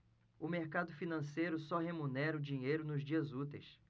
o mercado financeiro só remunera o dinheiro nos dias úteis